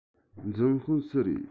འཛིན དཔོན སུ རེད